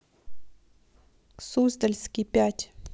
суздальский пять